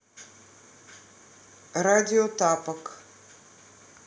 радио тапок